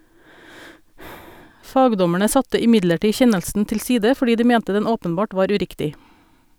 Fagdommerne satte imidlertid kjennelsen tilside, fordi de mente den åpenbart var uriktig.